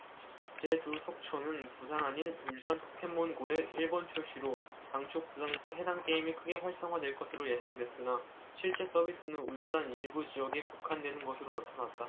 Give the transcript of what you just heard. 제 두 속초는 부산 아닌 울산포켓몬 고의 일본 출시로 당초 부산에서 해당 게임이 크게 활성화될 것으로 예상됐으나 실제 서비스는 울산 일부 지역에 국한되는 것으로 나타났다